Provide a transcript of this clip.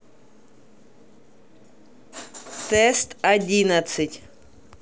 тест одиннадцать